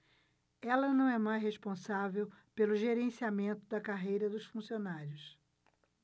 ela não é mais responsável pelo gerenciamento da carreira dos funcionários